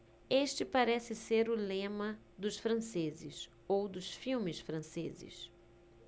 este parece ser o lema dos franceses ou dos filmes franceses